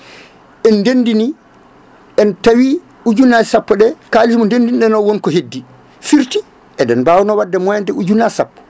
en dendini tawi ujunnaje sappo ɗe kalis mo ndendin ɗen o wonko heddi firti eɗen mbawno wadde moins de ujunnaje sappo